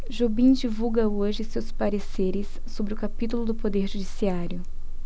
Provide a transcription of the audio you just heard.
jobim divulga hoje seus pareceres sobre o capítulo do poder judiciário